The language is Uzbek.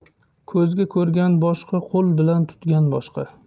ko'z ko'rgan boshqa qo'l bilan tutgan boshqa